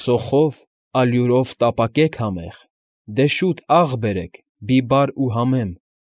Սոխով, ալյուրով տապակենք համեղ, Դեռ շատ աղ բերեք, բիբար ու համեմ։